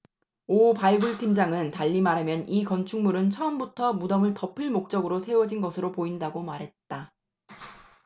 오 발굴팀장은 달리 말하면 이 건축물은 처음부터 무덤을 덮을 목적으로 세워진 것으로 보인다고 말했다